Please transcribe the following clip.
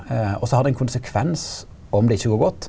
også har det ein konsekvens om det ikkje går godt.